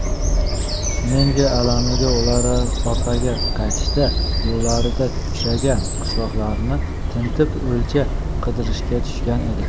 shuning alamiga ular orqaga qaytishda yo'llarida uchragan qishloqlarni tintib o'lja qidirishga tushgan edi